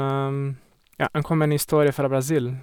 Ja, han kom med en historie fra Brasil.